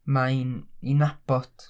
Mae hi'n ei nabod.